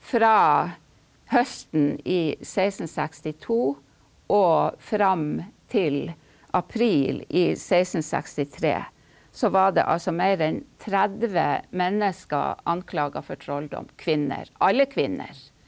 fra høsten i 1662 og fram til april i sekstensekstitre, så var det altså mer enn 30 mennesker anklaga for trolldom, kvinner, alle kvinner.